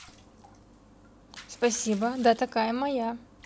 спасибо да такая моя